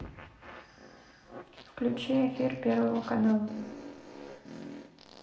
включи эфир первого канала